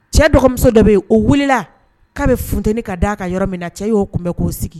Cɛ dɔgɔmuso dɔ bɛ yen o wulilala'a bɛ funt ka da'a kan yɔrɔ min na cɛ y'o tun bɛ k'o sigi